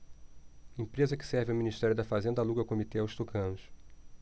empresa que serve ao ministério da fazenda aluga comitê aos tucanos